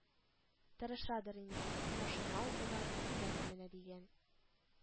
Тырышадыр инде, машина алдылар, өйләре менә дигән